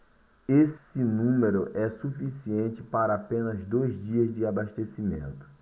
esse número é suficiente para apenas dois dias de abastecimento